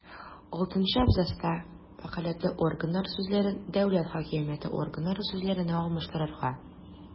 Алтынчы абзацта «вәкаләтле органнар» сүзләрен «дәүләт хакимияте органнары» сүзләренә алмаштырырга;